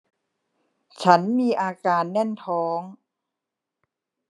ฉันมีอาการแน่นท้อง